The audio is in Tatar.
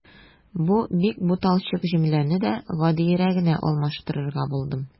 Бу бик буталчык җөмләне дә гадиерәгенә алмаштырырга булдым.